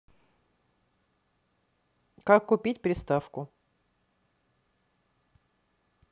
как купить приставку